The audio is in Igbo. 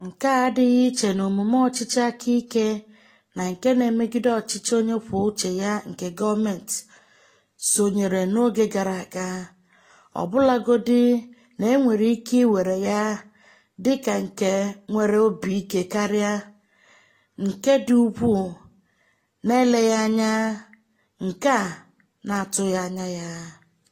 Nke a adịghị iche n'omume ọchịchị aka ike na nke na-emegide ọchịchị onye kwuo uche ya nke gọọmentị sonyere n'oge gara aga, ọbụlagodi na e nwere ike iwere ya dị ka nke nwere obi ike karịa, nke dị ukwuu ma eleghị anya nke a na-atụghị anya ya.